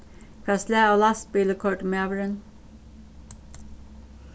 hvat slag av lastbili koyrdi maðurin